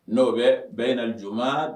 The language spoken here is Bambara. N'o bɛ bɛɛ in na j